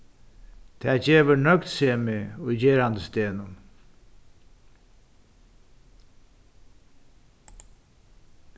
tað gevur nøgdsemi í gerandisdegnum